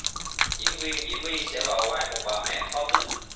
diễn viên diễm my sẽ vào vai một bà mẹ khó tính